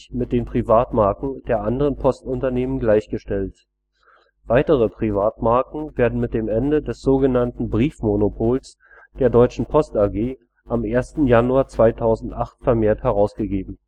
mit den Privatmarken der anderen Postunternehmen gleichgestellt. Weitere Privatmarken werden mit dem Ende des so genannten „ Briefmonopols “der deutschen Post AG am 1. Januar 2008 vermehrt herausgegeben